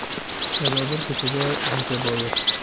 gado bir kechada necha boyir